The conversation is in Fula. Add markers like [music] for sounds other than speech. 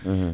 [hesitation] [hesitation]